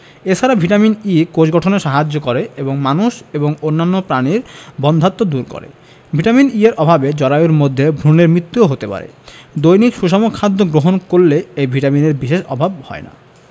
এ ছাড়া vitamin E কোষ গঠনে সাহায্য করে এবং মানুষ এবং অন্যান্য প্রাণীর বন্ধ্যাত্ব দূর করে ভিটামিন E এর অভাবে জরায়ুর মধ্যে ভ্রুনের মৃত্যুও হতে পারে দৈনিক সুষম খাদ্য গ্রহণ করলে এই ভিটামিনের বিশেষ অভাব হয় না